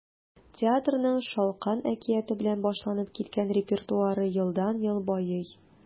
Театрның “Шалкан” әкияте белән башланып киткән репертуары елдан-ел байый.